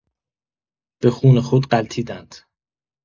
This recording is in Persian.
به خون خود غلتیدند.